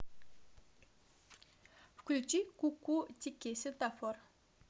включи кукутики светофор